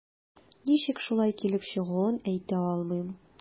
Ничек шулай килеп чыгуын әйтә алмыйм.